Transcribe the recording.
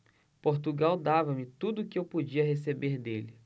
portugal dava-me tudo o que eu podia receber dele